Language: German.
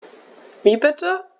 Wie bitte?